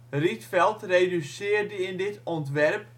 Rietveld reduceerde in dit ontwerp